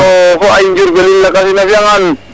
fo ay Julbet in lakasin a fi'angaan